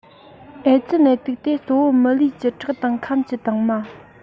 ཨེ ཙི ནད དུག དེ གཙོ བོ མི ལུས ཀྱི ཁྲག དང ཁམས ཀྱི དྭངས མ